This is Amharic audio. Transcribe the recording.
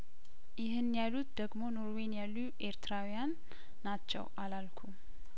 ይህን ያሉት ደግሞ ኖርዌይን ያሉ ኤርትራውያን ናቸው አላልኩም